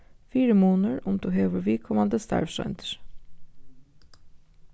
fyrimunur um tú hevur viðkomandi starvsroyndir